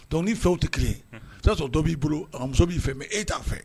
Donc ni fɛw tɛ kelen ye, unhun, i bɛ se k'a sɔrɔ dɔ b'i bolo,a muso b'i fɛ mais e t'a fɛ